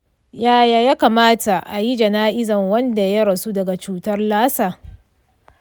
yaya ya kamata a yi jana’izar wanda ya rasu daga cutar lassa?